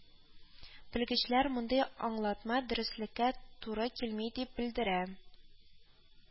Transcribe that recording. Белгечләр мондый аңлатма дөреслеккә туры килми дип белдерә